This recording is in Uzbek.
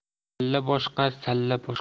kalla boshqa salla boshqa